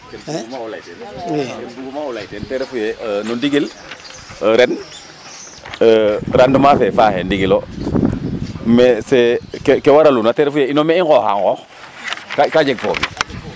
Ke bug'uma o lay teen ke bug'uma o lay teen tene refu ye no ndigil ren rendement fe faaxee ndigil o mais c' est ke waraluna ten refu yee me i nqooxa nqoox ka jeg foof fi